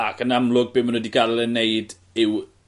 ac yn amlwg be' ma' n'w 'di ga'el e neud yw